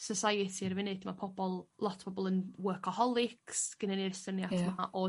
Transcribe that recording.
society ar y funud ma' pobol lot o bobol yn workaholics gynnyn ni'r syniad... Ia. ...'ma o